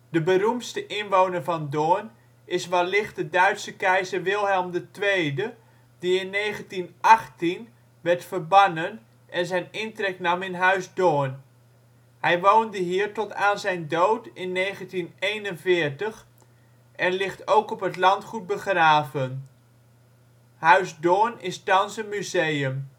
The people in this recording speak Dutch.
De beroemdste inwoner van Doorn is wellicht de Duitse keizer Wilhelm II die in 1918 werd verbannen en zijn intrek nam in Huis Doorn. Hij woonde hier tot aan zijn dood in 1941 en ligt ook op het landgoed begraven. Huis Doorn is thans een museum